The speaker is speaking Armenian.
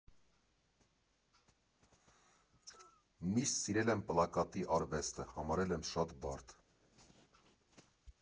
Միշտ սիրել եմ պլակատի արվեստը, համարել եմ շատ բարդ։